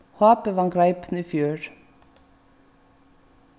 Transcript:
hb vann greipuna í fjør